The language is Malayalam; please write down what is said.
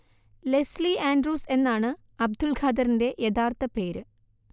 ലെസ്ലി ആന്ഡ്രൂസ് എന്നാണ് അബ്ദുള്ഖാദറിന്റെ യഥാർഥ പേര്